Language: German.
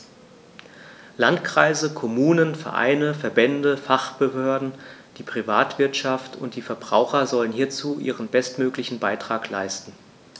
Landkreise, Kommunen, Vereine, Verbände, Fachbehörden, die Privatwirtschaft und die Verbraucher sollen hierzu ihren bestmöglichen Beitrag leisten.